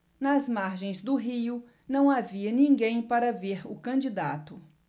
nas margens do rio não havia ninguém para ver o candidato